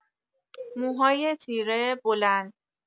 موهای تیره بلند